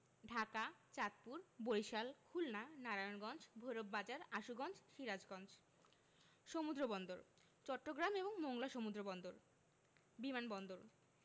ঢাকা চাঁদপুর বরিশাল খুলনা নারায়ণগঞ্জ ভৈরব বাজার আশুগঞ্জ সিরাজগঞ্জ সমুদ্রবন্দরঃ চট্টগ্রাম এবং মংলা সমুদ্রবন্দর বিমান বন্দরঃ